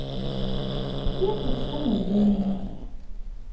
лектор становление